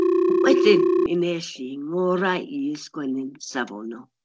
Wedyn mi wnes i ngorau i sgwennu'n safonol.